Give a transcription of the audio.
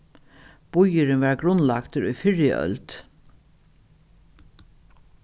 býurin varð grundlagdur í fyrru øld